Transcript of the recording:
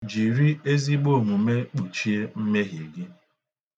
Jiri ezigbo omume kpuchie mmehie gị